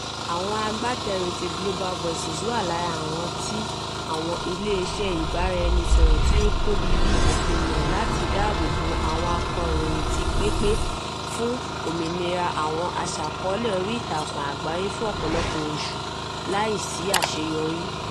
Àwọn agbátẹrù tí Global Voices wà lára wọn àti àwọn ilé iṣẹ́ ìbáraẹnisọ̀rọ̀ tí ó tóbi bíi Ìgbìmọ̀ láti Dáàbòbò Àwọn Akọ̀ròyìn ti pèpè fún òmìnira àwọn aṣàkọ́ọ́lẹ̀ orí ìtàkùn àgbáyé fún ọ̀pọ̀lọpọ̀ oṣù, láìsí àṣeyọrí.